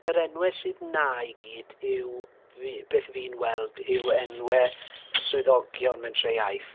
yr enwau sydd 'na i gyd yw fi... beth 'y fi'n weld, yw enwau swyddogion mentrau iaith